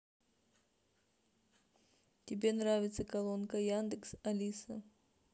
тебе нравится колонка яндекс алиса